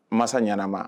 Mansa ɲanama